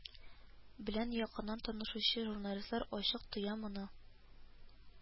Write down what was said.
Белән якыннан танышучы журналистлар ачык тоя моны